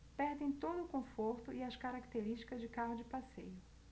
perdem todo o conforto e as características de carro de passeio